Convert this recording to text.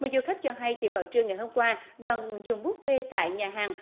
du khách cho hay thì vào trưa ngày hôm qua đoàn dùng búp phê tại nhà hàng